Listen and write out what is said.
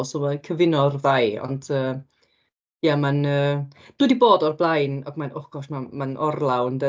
So fydda i'n cyfuno'r ddau. Ond yy ia mae'n yy... dwi 'di bod o'r blaen ac mae'n... o gosh ma' ma'n orlawn de.